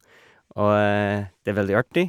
Og det er veldig artig.